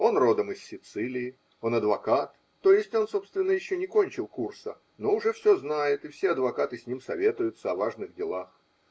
Он родом из Сицилии, он адвокат, т.е. он, собственно, еще не кончил курса, но уже все знает и все адвокаты с ним советуются о важных делах